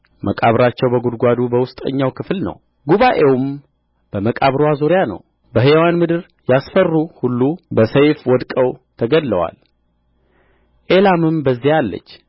መቃብራቸው በጕድጓዱ በውስጠኛው ክፍል ነው ጉባኤዋም በመቃብርዋ ዙሪያ ነው በሕያዋን ምድር ያስፈሩ ሁሉ በሰይፍ ወድቀው ተገድለዋል ኤላምም በዚያ አለች